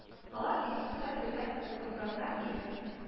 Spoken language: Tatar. Алар институтта бергә укыганнар иде